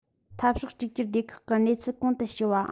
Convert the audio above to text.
འཐབ ཕྱོགས གཅིག གྱུར སྡེ ཁག གིས གནས ཚུལ གོང དུ ཞུ བ